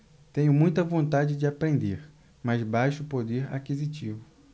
tenho muita vontade de aprender mas baixo poder aquisitivo